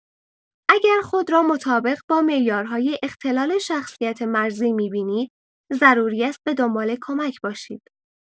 اگر خود را مطابق با معیارهای اختلال شخصیت مرزی می‌بینید، ضروری است به‌دنبال کمک باشید.